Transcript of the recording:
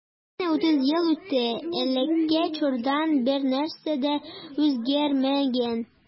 Менә утыз ел үтте, элекке чордан бернәрсә дә үзгәрмәгән.